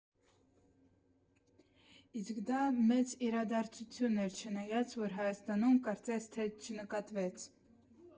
Իսկ դա մեծ իրադարձություն էր, չնայած, որ Հայաստանում կարծես թե չնկատվեց։